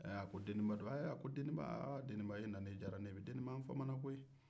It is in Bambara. ɛ a ko deniba don ɛ ko deniba e nali diyara n ye deniba an famana koyi